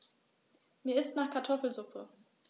Mir ist nach Kartoffelsuppe.